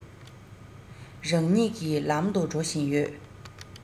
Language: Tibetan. རང ཉིད ཀྱི ལམ དུ འགྲོ བཞིན ཡོད